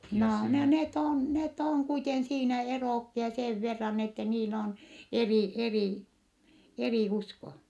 no ne on ne on kuiten siinä erokkia sen verran että niillä on eri eri eri usko